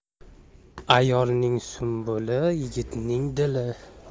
ayolning sunbuli yigitning dili